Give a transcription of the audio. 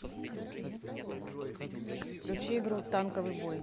включи игру танковый бой